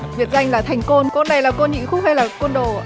biệt danh là thành côn côn này là côn nhị khúc hay côn đồ ạ